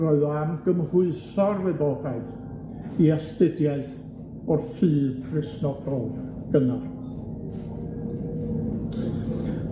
roedd o am gymhwyso'r wybodaeth i astudiaeth o'r ffydd Cristnogol gynnar.